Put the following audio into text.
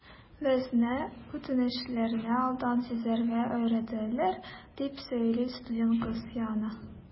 Безне үтенечләрне алдан сизәргә өйрәтәләр, - дип сөйли студент кыз Яна.